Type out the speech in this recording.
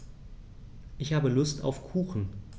Ich habe Lust auf Kuchen.